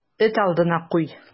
Эт алдына куй.